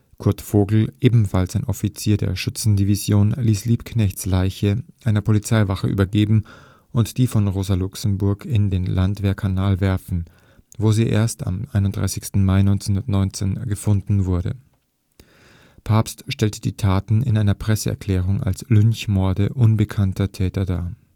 Kurt Vogel, ebenfalls ein Offizier der Schützendivision, ließ Liebknechts Leiche einer Polizeiwache übergeben und die von Rosa Luxemburg in den Landwehrkanal werfen, wo sie erst am 31. Mai 1919 gefunden wurde. Pabst stellte die Taten in einer Presseerklärung als Lynchmorde unbekannter Täter dar